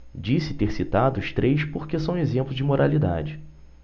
disse ter citado os três porque são exemplos de moralidade